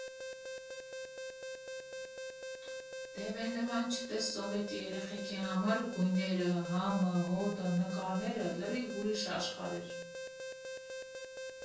Դե, մեր նման չտես սովետի երեխեքի համար՝ գույները, համը, հոտը, նկարները՝ լրիվ ուրիշ աշխարհ էր։